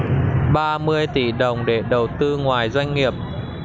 ba mươi tỷ đồng để đầu tư ngoài doanh nghiệp